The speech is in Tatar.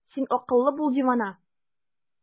Син акыллы, бул дивана!